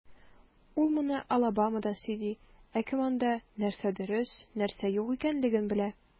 Ул моны Алабамада сөйли, ә кем анда, нәрсә дөрес, ә нәрсә юк икәнлеген белә?